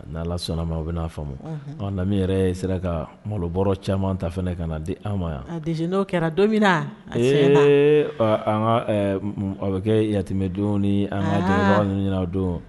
N' sɔnna ma u bɛ n'a faamu nami yɛrɛ sera ka mɔbɔ caman ta ka na di an ma yan dese dɔwo kɛra don min na an ka a bɛ kɛ yatimɛ don ni an ka ninnu ɲin don